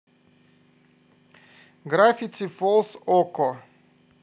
гравити фолз окко